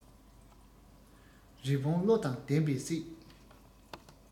རི བོང བློ དང ལྡན པས བསད